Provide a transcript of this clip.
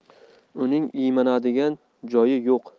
uning iymanadigan joyi yo'q